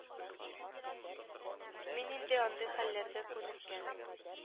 Мин инде андый хәлләргә күнеккән